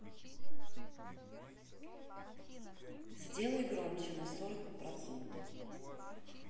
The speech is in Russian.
сделай громче на сорок процентов